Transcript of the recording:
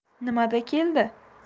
nimada keldi